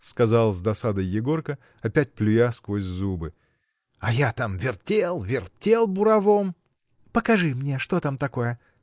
— сказал с досадой Егорка, опять плюя сквозь зубы, — а я там вертел, вертел буравом! — Покажи мне, что там такое!